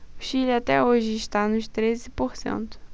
o chile até hoje está nos treze por cento